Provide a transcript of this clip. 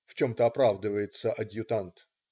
"- в чем-то оправдывается адъютант.